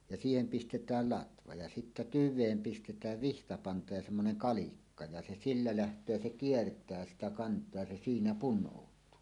ja siihen pistetään latva ja sitten tyveen pistetään vihtapanta ja semmoinen kalikka ja se sillä lähtee ja se kiertää sitä kantoa ja se siinä punoutuu